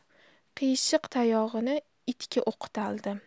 qiyshiq tayog'ini itga o'qtaldi